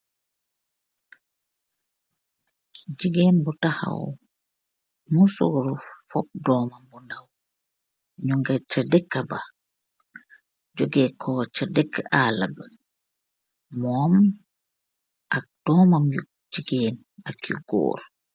Jigeen bu tahow, musorru fope dorm nyewgeih ce dehkaba, johgeih ko sah dehkek ahlabi, morm ak dormami jigeen ak yuu goor.